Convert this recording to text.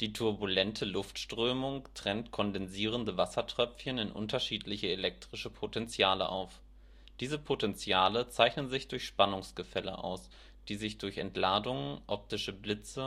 turbulente Luftströmung trennt kondensierende Wassertröpfchen in unterschiedliche elektrische Potenziale auf. Diese Potenziale zeichnen sich durch Spannungsgefälle aus, die sich durch Entladungen, optisch Blitze